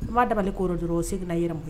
N ma dabali kɔrɔ dɔrɔn o seginna ka yɛrɛ bolo